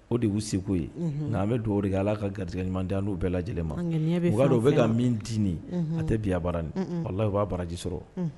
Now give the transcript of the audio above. O de' segu ye nka an bɛ do o de kɛ ala ka garidi ɲuman di n'u bɛɛ lajɛlen ma u y'a don u bɛ ka min d ni a tɛ bi bara ni ala u b'a baraji sɔrɔ